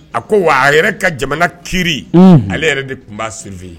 A ko wa a yɛrɛ ka jamana kiri ale yɛrɛ de tun b' sen fɛ yen